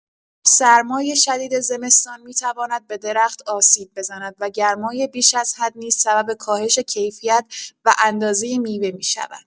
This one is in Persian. سرمای شدید زمستان می‌تواند به درخت آسیب بزند و گرمای بیش از حد نیز سبب کاهش کیفیت و اندازه میوه می‌شود.